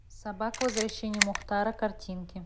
собака возвращение мухтара картинки